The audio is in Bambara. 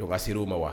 Donc a sera u ma wa?